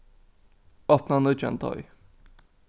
opna nýggjan teig